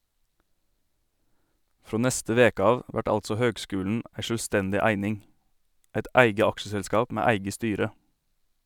Frå neste veke av vert altså høgskulen ei sjølvstendig eining, eit eige aksjeselskap med eige styre.